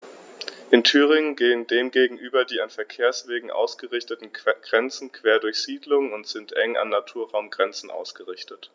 In Thüringen gehen dem gegenüber die an Verkehrswegen ausgerichteten Grenzen quer durch Siedlungen und sind eng an Naturraumgrenzen ausgerichtet.